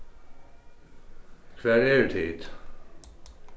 hvar eru tit